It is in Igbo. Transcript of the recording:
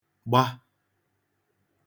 gba